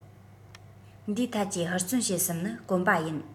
འདིའི ཐད ཀྱི ཧུར བརྩོན བྱེད སེམས ནི དཀོན པ ཡིན